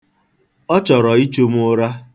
Ọ chọrọ m ichu m ụra.